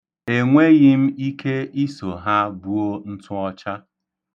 Enweghị m ike iso ha buo ntụọcha.